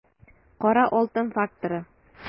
Кара алтын факторы